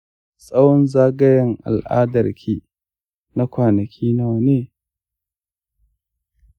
tsawon zagayen al’adarki na kwanaki nawa ne?